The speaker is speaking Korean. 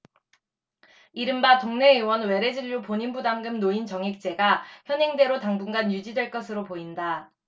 이른바 동네의원 외래진료 본인부담금 노인정액제가 현행대로 당분간 유지될 것으로 보인다